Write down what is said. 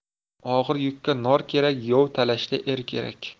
og'ir yukka nor kerak yov talashda er kerak